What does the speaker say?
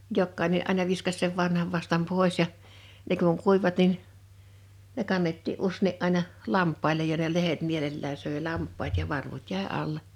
jokainen aina viskasi sen vanhan vastan pois ja ne kun kuivuivat niin ne kannettiin useinkin aina lampaille ja ne lehdet mielellään söi lampaat ja varvut jäi alle